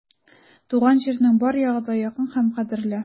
Туган җирнең бар ягы да якын һәм кадерле.